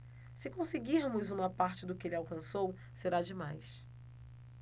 se conseguirmos uma parte do que ele alcançou será demais